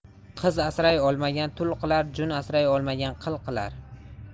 qiz asray olmagan tul qilar jun asray olmagan qil qilar